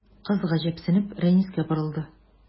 Кыз, гаҗәпсенеп, Рәнискә борылды.